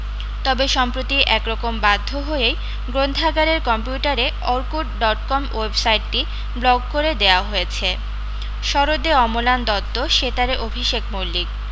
তবে সম্প্রতি এক রকম বাধ্য হয়েই গ্রন্থাগারের কম্পিউটারে অর্কূট ডট কম ওয়েবসাইটটি ব্লক করে দেওয়া হয়েছে সরোদে অমলান দত্ত সেতারে অভিষেক মল্লিক